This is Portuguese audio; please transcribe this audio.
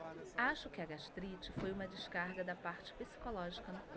acho que a gastrite foi uma descarga da parte psicológica no corpo